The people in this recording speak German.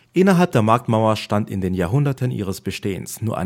Innerhalb der Marktmauer stand in den Jahrhunderten ihres Bestehens nur